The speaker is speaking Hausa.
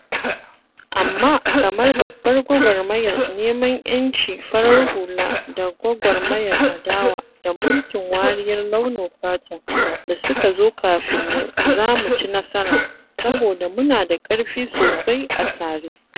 Amma, kamar babbar gwagwarmayar neman 'yanci farar hula da gwagwarmayar adawa da mulkin wariyar launin fata da suka zo kafinmu, za mu ci nasara, saboda muna da ƙarfi sosai a tare.